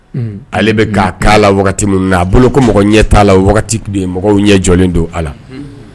Ale bɛ ga kan la min a bolo boloko ko mɔgɔ ɲɛ t'a la mɔgɔw ɲɛ jɔnlen don a la